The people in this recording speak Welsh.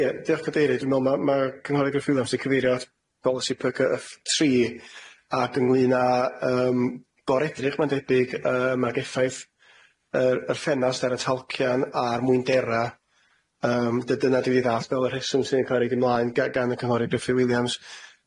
Ie diolch cadeirydd, dwi me'wl ma' ma' cynghory- Gruff Williams 'di cyfeirio at bolisi Py cy yf-y tri ac ynglŷn â yym bor edrych ma'n debyg yym ag effaith yr y ffenast ar y talcian a'r mwyndera yym dy- dyna 'di fi ddallt fel y rheswm sy'n ca'l roid ymlaen ga- gan y cynghori Gruffydd Williams.